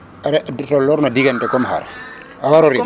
are atoloox no digante comme xar a waro rim